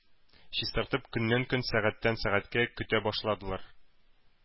Чистартып көннән-көн, сәгатьтән-сәгатькә көтә башладылар,